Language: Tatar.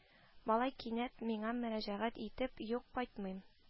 Малай кинәт миңа мөрәҗәгать итеп: – юк, кайтмыйм